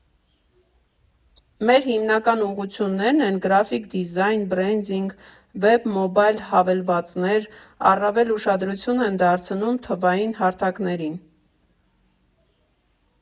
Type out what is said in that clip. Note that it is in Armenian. Մեր հիմնական ուղղություններն են՝ գրաֆիկ դիզայն, բրենդինգ, վեբ, մոբայլ հավելվածներ, առավել ուշադրություն ենք դարձնում թվային հարթակներին։